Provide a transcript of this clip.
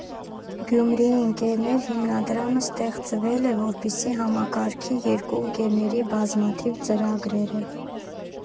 «Գյումրիի ընկերներ» հիմնադրամը ստեղծվել է, որպեսզի համակարգի երկու ընկերների բազմաթիվ ծրագրերը։